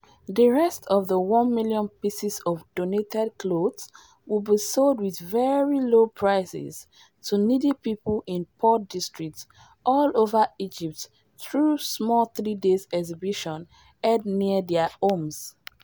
The rest of the one million pieces of donated clothes will be sold with very low prices to needy people in poor districts all over Egypt through small 3-day exhibitions held near their homes.